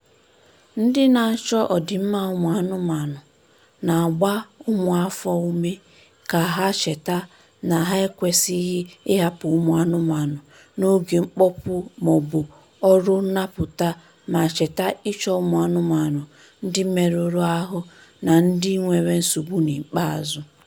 Ndị na-achọ ọdịmma ụmụanụmanụ na-agba ụmụafọ ume ka ha cheta na ha ekwesịghị ịhapụ ụmụ anụmanụ n'oge mkpọpụ maọbụ ọrụ nnapụta ma cheta ịchọ ụmụanụmanụ ndị merụrụ ahụ na ndị nwere nsogbu n'ikpeazụ.